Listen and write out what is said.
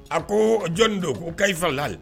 A ko jɔn don ko kayifal